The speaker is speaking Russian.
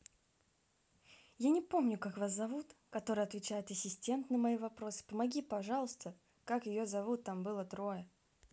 я не помню как зовут который отвечает ассистент на мои вопросы помоги пожалуйста как ее зовут там было трое